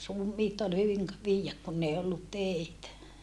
ruumiit oli hyvin - viedä kun ei ollut teitä